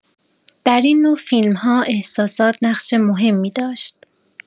در این نوع فیلم‌ها احساسات نقش مهمی داشت؛